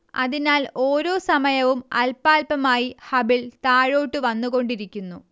അതിനാൽ ഓരോ സമയവും അല്പാല്പമായി ഹബിൾ താഴോട്ടു വന്നുകൊണ്ടിരിക്കുന്നു